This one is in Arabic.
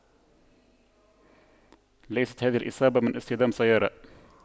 ليست هذه الاصابة من اصطدام سيارة